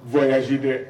Nɔgɔyaji dɛ